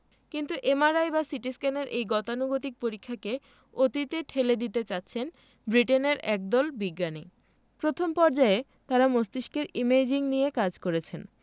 কিন্তু এমআরআই কিংবা সিটিস্ক্যানের এই গতানুগতিক পরীক্ষাকে অতীতে ঠেলে দিতে যাচ্ছেন ব্রিটেনের একদল বিজ্ঞানী প্রথম পর্যায়ে তারা মস্তিষ্কের ইমেজিং নিয়ে কাজ করেছেন